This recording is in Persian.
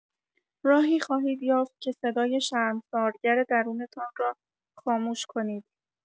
راهی خواهید یافت که صدای شرمسارگر درونتان را خاموش کنید.